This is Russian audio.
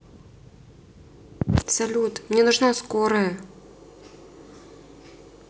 салют мне нужна скорая